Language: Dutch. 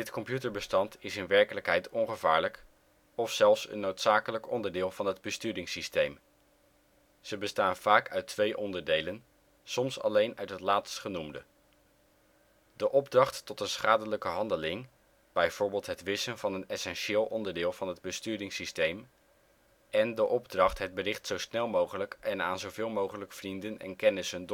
computerbestand is in werkelijkheid ongevaarlijk of zelfs een noodzakelijk onderdeel van het besturingssysteem. Ze bestaan vaak uit twee onderdelen, soms alleen uit het laatstgenoemde: de opdracht tot een schadelijke handeling (bijvoorbeeld het wissen van een essentieel onderdeel van het besturingssysteem) en de opdracht het bericht zo snel mogelijk en aan zo veel mogelijk vrienden en kennissen